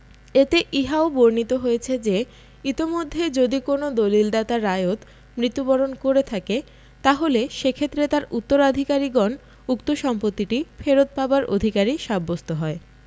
এতে ইহাও বর্ণিত হয়েছে যে ইতমধ্যে যদি কোন দলিলদাতা রায়ত মৃত্যুবরণ করে থাকে তাহলে সেক্ষেত্রে তার উত্তরাধিকারীগণ উক্ত সম্পত্তিটি ফেরত পাবার অধিকারী সাব্যস্ত হয়